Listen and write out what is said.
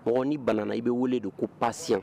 Mi banna i bɛ wele don ko pasi